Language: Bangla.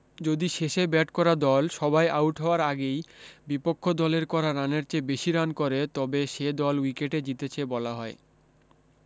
যদি শেষে ব্যাট করা দল সবাই আট হওয়ার আগেই বিপক্ষ দলের করা রানের চেয়ে বেশী রান করে তখন সে দল উইকেটে জিতেছে বলা হয়